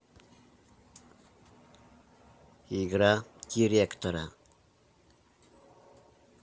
игра директора